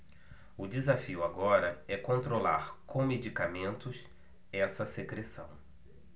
o desafio agora é controlar com medicamentos essa secreção